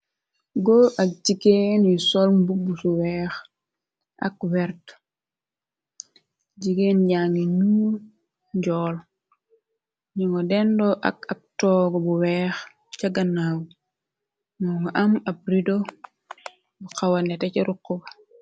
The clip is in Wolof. go ak jigeen yu sol bubbusu weex ak wert jigeen jangi ñu njool ñi ngo dendoo ak ak toog bu weex ca gannaaw moo ngo am ab rido bu xawanete ca rukkuba